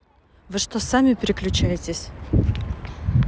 вы что сами переключаетесь